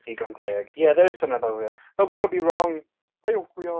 Digon teg, yeah there is something about it, but we could be wrong, I hope we are.